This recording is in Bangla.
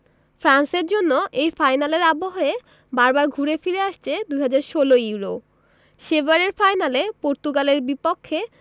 ফ্রান্সের জন্য এই ফাইনালের আবহে বারবার ঘুরে ফিরে আসছে ২০১৬ ইউরো সেবারের ফাইনালে পর্তুগালের বিপক্ষে